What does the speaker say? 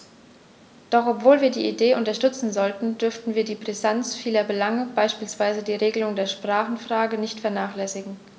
Doch obwohl wir die Idee unterstützen sollten, dürfen wir die Brisanz vieler Belange, beispielsweise die Regelung der Sprachenfrage, nicht vernachlässigen.